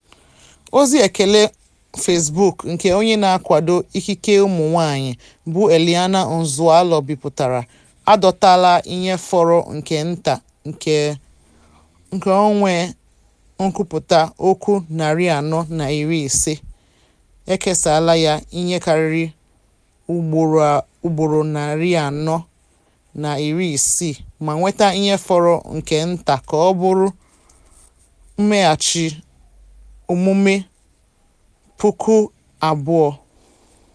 Ozi ekele Facebook nke onye na-akwado ikike ụmụnwaanyị bụ Eliana Nzualo bipụtara, a dọtala ihe fọrọ nke nta ka o nwe nkwupụta okwu 450, e kesaala ya ihe karịrị ugboro 460, ma nweta ihe fọrọ nke nta ka ọ bụrụ mmeghachi omume 2,000: